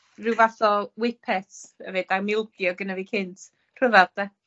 ryw fath o wippet efyd. Dau milgi oedd gyda fi cynt. Rhyfedd de?